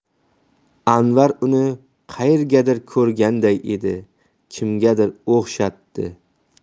anvar uni qaerdadir ko'rganday edi kimgadir o'xshatdi